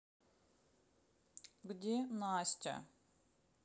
где настя